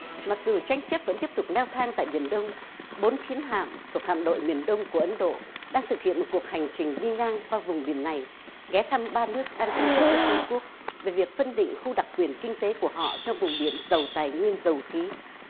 mặc dù tranh chấp vẫn tiếp tục leo thang tại biển đông bốn chiến hạm thuộc hạm đội miền đông của ấn độ đang thực hiện một cuộc hành trình đi ngang qua vùng biển này ghé thăm ba nước đang tranh chấp với trung quốc về việc phân định khu đặc quyền kinh tế của họ trong vùng biển giàu tài nguyên dầu khí